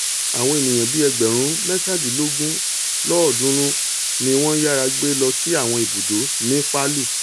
Àwọn ènìyàn bíi ẹgbẹ̀rún mẹ́tadínlógúndín-lọ́ọ̀dúnrún ni wọ́n yára gbélọ sí àwọn ibùdó ní Palu.